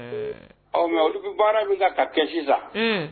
Ɔ mɛ olu bɛ baara min ka kɛ sisan